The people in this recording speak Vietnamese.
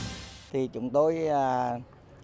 vì chúng tôi là